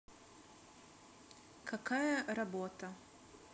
какая работа